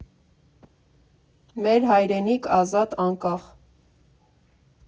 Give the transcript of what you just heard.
Մեր հայրենիք, ազատ անկախ։